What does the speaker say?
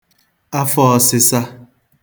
afọọ̄sị̄sā